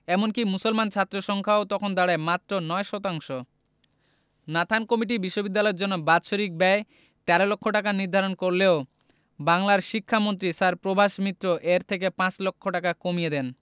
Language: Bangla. এমনকি মুসলমান ছাত্রের সংখ্যাও তখন দাঁড়ায় মাত্র ৯ শতাংশ নাথান কমিটি বিশ্ববিদ্যালয়ের জন্য বাৎসরিক ব্যয় ১৩ লক্ষ টাকা নির্ধারণ করলেও বাংলার শিক্ষামন্ত্রী স্যার প্রভাস মিত্র এর থেকে পাঁচ লক্ষ টাকা কমিয়ে দেন